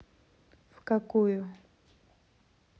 в какую